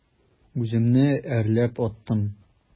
Үземне әрләп аттым.